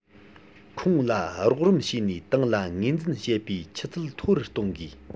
ཁོང ལ རོགས རམ བྱས ནས ཏང ལ ངོས འཛིན བྱེད པའི ཆུ ཚད མཐོ རུ གཏོང དགོས